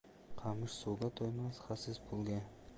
qamish suvga to'ymas xasis pulga